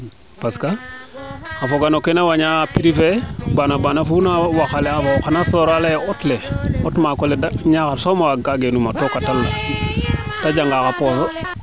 parce que a foga no kee na wañaa prix fee baana baana oxu na waaxale a fo wo ana soorale ye auto le auto mookole Niakhar soom a waag ka geenu maaaga tooka tali le te janga o pooso